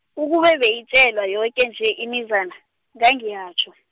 ukube beyetjelwa yoke nje imizana, ngangiyatjho.